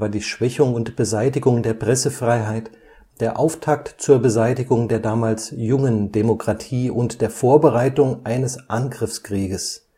die Schwächung und Beseitigung der Pressefreiheit der Auftakt zur Beseitigung der damals jungen Demokratie und der Vorbereitung eines Angriffskrieges